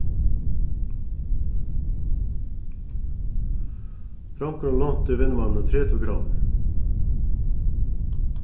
drongurin lánti vinmanninum tretivu krónur